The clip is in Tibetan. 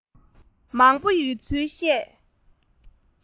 མང པོ ཡོད ཚུལ བཤད